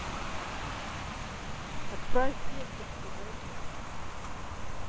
отправь весточку завис ассистент